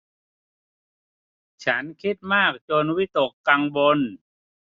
ฉันคิดมากจนวิตกกังวล